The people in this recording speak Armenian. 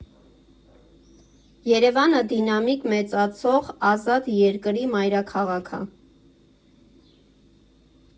Երևանը դինամիկ մեծացող ազատ երկրի մայրաքաղաք ա։